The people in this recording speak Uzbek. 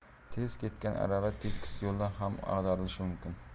tez ketgan arava tekis yo'lda ham ag'darilishi mumkin